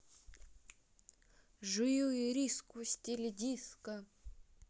жую ириску в стиле диско